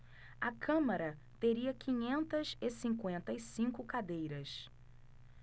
a câmara teria quinhentas e cinquenta e cinco cadeiras